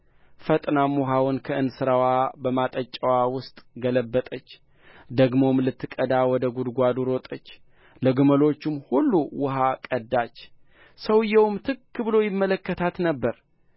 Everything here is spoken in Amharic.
ፈጥናም ውኃውን ከእንስራዋ በማጠጫው ውስጥ ገለበጠችው ደግሞም ልትቀዳ ወደ ጕድጓዱ ሮጠች ለግመሎቹም ሁሉ ውኃ ቀዳች ሰውዮውም ትክ ብሎ ይመለከታት ነበር